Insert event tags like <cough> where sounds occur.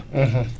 <hesitation> <hesitation>